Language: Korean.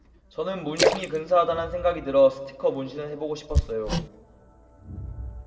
저는 문신이 근사하다는 생각이 들어 스티커 문신을 해 보고 싶었어요